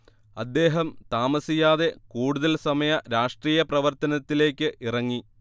അദ്ദേഹം താമസിയാതെ കൂടുതൽ സമയ രാഷ്ട്രീയ പ്രവർത്തനത്തിലെക്ക് ഇറങ്ങി